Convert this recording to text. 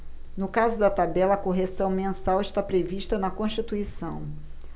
no caso da tabela a correção mensal está prevista na constituição